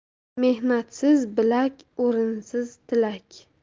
mehnatsiz bilak o'rinsiz tilak